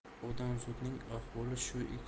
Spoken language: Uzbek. odamzodning ahvoli shu